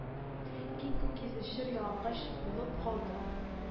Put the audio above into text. Киң күк йөзе шыр-ялангач булып калды,